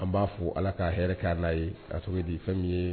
An b'a fɔ ala k ka hɛrɛ k'a'a ye ka di ye fɛn min ye